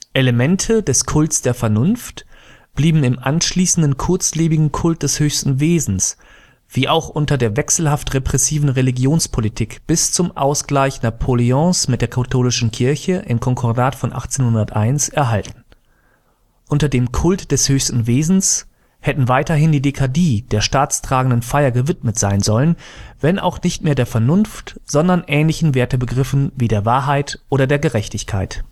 Elemente des Kults der Vernunft blieben im anschließenden kurzlebigen Kult des höchsten Wesens wie auch unter der wechselhaft repressiven Religionspolitik bis zum Ausgleich Napoleons mit der katholischen Kirche im Konkordat von 1801 erhalten. Unter dem Kult des höchsten Wesens hätten weiterhin die décadis der staatstragenden Feier gewidmet sein sollen, wenn auch nicht mehr der Vernunft, sondern ähnlichen Wertebegriffen wie der Wahrheit oder der Gerechtigkeit